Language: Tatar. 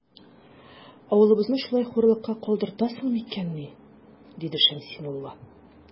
Авылыбызны шулай хурлыкка калдыртасың микәнни? - диде Шәмси мулла.